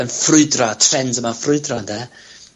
yn ffrwydro, y trend yma'n ffrwydro ynde?